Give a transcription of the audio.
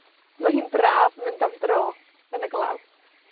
Mae hi'n braf mynd am dro yn y glaw.